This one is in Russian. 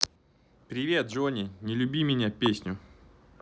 привет джонни не люби меня песню